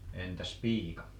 entäs piika